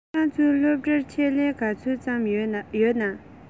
ཁྱོད རང ཚོའི སློབ གྲྭར ཆེད ལས ག ཚོད ཙམ ཡོད ན